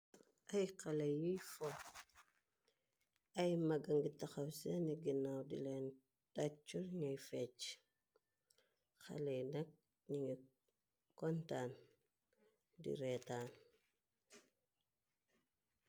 Ay xale yuy fo ay maga ngi taxaw seeni ginaaw dileen tàccur ñuy fecc xaley nak ningi kontaan di reetaan.